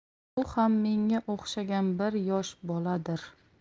u ham menga o'xshagan bir yosh boladir